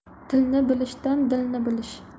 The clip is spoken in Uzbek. tilni bilish dilni bilish